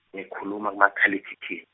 ngikhuluma kumakalekhikhi-.